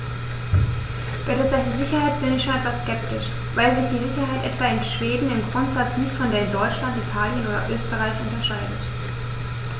Bei der Sicherheit bin ich schon etwas skeptisch, weil sich die Sicherheit etwa in Schweden im Grundsatz nicht von der in Deutschland, Italien oder Österreich unterscheidet.